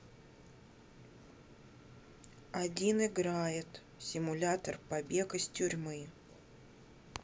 один играет симулятор побег из тюрьмы